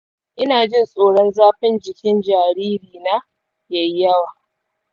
ina jin tsoro zafin jikin jaririna ya yi yawa.